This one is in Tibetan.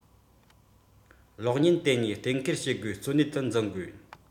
གློག བརྙན དེ གཉིས གཏན འཁེལ བྱེད དགོས གཙོ གནད དུ འཛིན དགོས